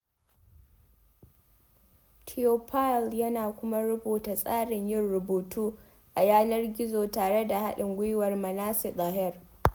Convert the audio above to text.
Théophile yana kuma rubuta tsarin yin rubutu a yanar gizo tare da haɗin gwiwar Manasseh Deheer.